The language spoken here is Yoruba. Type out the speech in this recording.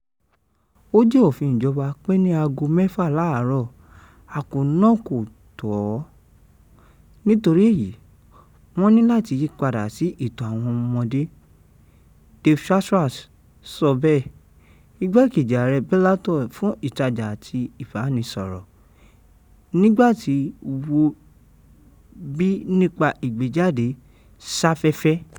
"Ó jẹ́ òfin ìjọba pé ní aago 6 láàárọ̀, àkóónú náà kò tọ́, nítorí èyí wọ́n níláti yípada sí ètò àwọn ọmọdé,” Dave Schwartz sọ bẹ́ẹ̀, igbakejì ààrẹ Bellator fún ìtajà àti ìbánisọ̀rọ̀, nígbàtí wọ́ bíi nípa ìgbéjáde ṣáfẹ́fẹ́.